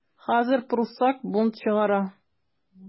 Хәзер пруссак бунт чыгара.